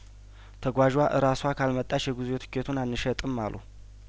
ተጓዧ እራሷ ካልመጣች የጉዞ ትኬቱን አንሸጥም አሉን